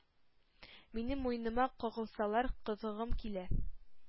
— минем муеныма кагылсалар, кытыгым килә,